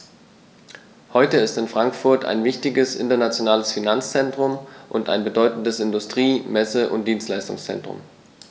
Heute ist Frankfurt ein wichtiges, internationales Finanzzentrum und ein bedeutendes Industrie-, Messe- und Dienstleistungszentrum.